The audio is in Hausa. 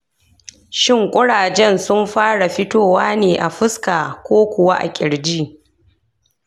shin kurajen sun fara fitowa ne a fuska ko kuwa a kirji ?